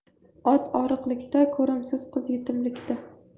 ot oriqlikda ko'rimsiz qiz yetimlikda